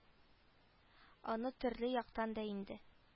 Аны төрле яктан да инде